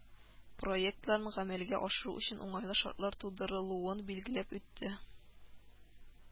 Проектларын гамәлгә ашыру өчен уңайлы шартлар тудырылуын билгеләп үтте